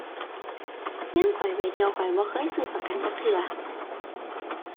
ยามข้อยไปเที่ยว ข้อยบ่เคยซื้อประกันจักเทื่อ